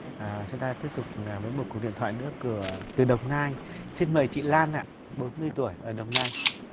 à chúng ta tiếp tục với một cuộc điện thoại nữa cửa từ đồng nai xin mời chị lan ạ bốn mươi tuổi ở đồng nai